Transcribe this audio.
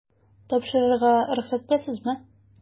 Тапшырырга рөхсәт итәсезме? ..